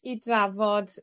i drafod